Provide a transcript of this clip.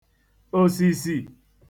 òsìsì